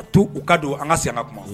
A to u ka don an ka senna kuma